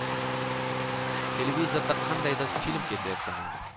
televizorda qandaydir film ketayotgan edi